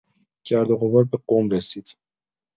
گرد و غبار به قم رسید.